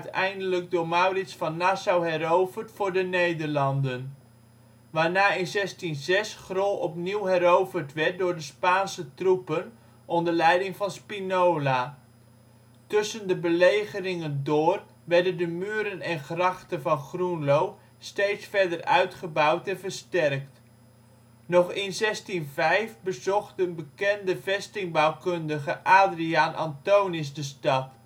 eindelijk door Maurits van Nassau heroverd voor de Nederlanden, waarna in 1606 Grol opnieuw heroverd werd door de Spaanse troepen onder leiding van Spinola. Tussen de belegeringen door werden de muren en grachten van Groenlo steeds verder uitgebouwd en versterkt. Nog in 1605 bezocht de bekende vestingbouwkundige Adriaen Anthonisz de stad